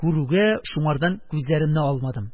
Күрүгә шуңардан күзләремне алмадым.